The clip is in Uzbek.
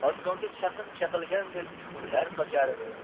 osmonga chaqin chaqilganday uchqunlar sochar